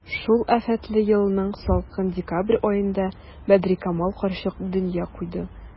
Шул афәтле елның салкын декабрь аенда Бәдрикамал карчык дөнья куйды.